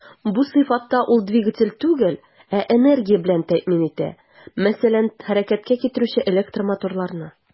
Бу сыйфатта ул двигатель түгел, ә энергия белән тәэмин итә, мәсәлән, хәрәкәткә китерүче электромоторларны.